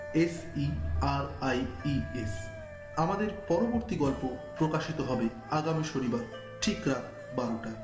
S E R I E S আমাদের পরবর্তি গল্প প্রকাশিত হবে আগামী শনিবার ঠিক রাত ১২ টায়